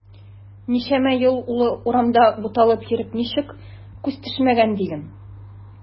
Ничәмә ел бер урамда буталып йөреп ничек күз төшмәгән диген.